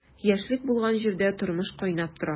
Яшьлек булган җирдә тормыш кайнап тора.